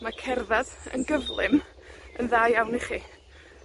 Mae cerddad yn gyflym, yn dda iawn i chi.